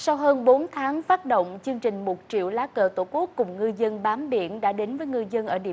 sau hơn bốn tháng phát động chương trình một triệu lá cờ tổ quốc cùng ngư dân bám biển đã đến với người dân ở điểm